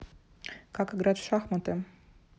как играть в шахматы